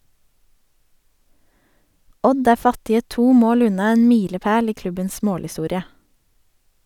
Odd er fattige to mål unna en milepæl i klubbens målhistorie.